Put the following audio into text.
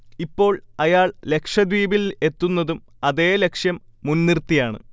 ഇപ്പോൾ അയാൾ ലക്ഷദ്വീപിൽ എത്തുന്നതും അതേ ലക്ഷ്യം മുൻനിർത്തിയാണ്